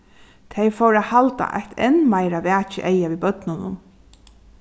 tey fóru at halda eitt enn meira vakið eyga við børnunum